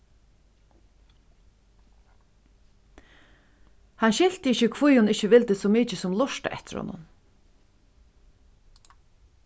hann skilti ikki hví hon ikki vildi so mikið sum lurta eftir honum